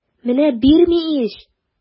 Менә бирми ич!